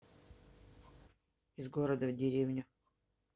из города в деревню